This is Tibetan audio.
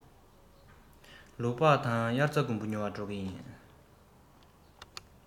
ལུག པགས དང དབྱར རྩྭ དགུན འབུ ཉོ བར འགྲོ གི ཡིན